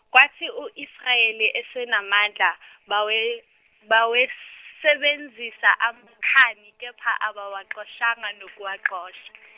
kwathi u Israyeli esenamandla, bawe bawesebenzisa amaKhani kepha abawaxoshanga nokuwaxosha.